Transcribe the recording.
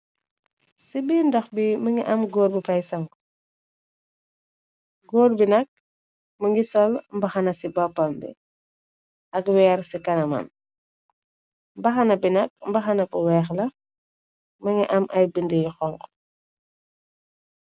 Ci bii noox bi mi ngi am góor bu fay sangu góor bi nag mi ngi sol mbaxana ci boppam bi ak weer ci kanaman mbaxana bi nag mbaxana bu weex la më ngi am ay binde yu xonxo.